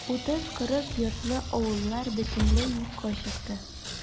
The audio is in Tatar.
30-40 йортлы авыллар бөтенләй юкка чыкты.